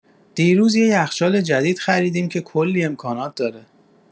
دیروز یه یخچال جدید خریدیم که کلی امکانات داره.